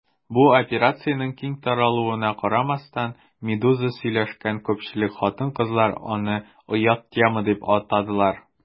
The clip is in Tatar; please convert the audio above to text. Бу операциянең киң таралуына карамастан, «Медуза» сөйләшкән күпчелек хатын-кызлар аны «оят тема» дип атадылар.